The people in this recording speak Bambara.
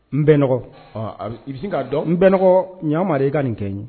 N bɛ n i bɛ se k'a dɔn n bɛ ɲ amaduri i ka nin kɛ ye